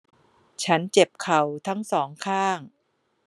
ฉันเจ็บเข่าทั้งสองข้าง